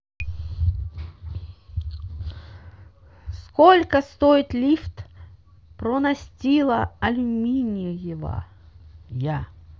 сколько стоит лифт пронастила алюминиевая